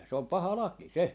se on paha laki se